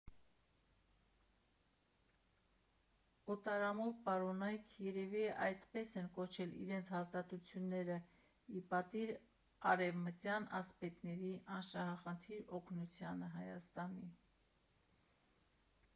Օտարամոլ պարոնայք երևի այդպես են կոչել իրենց հաստատությունները՝ի պատիվ արևմտյան ասպետների «անշահախնդիր օգնությանը» Հայաստանի։